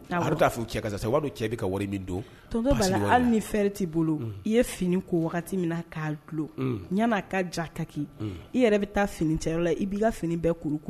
Du' cɛ don hali ni fɛ' bolo i ye fini ko wagati min'a dulo yan ka ja kaki i yɛrɛ bɛ taa finicɛ la i b'i ka fini bɛɛ kuru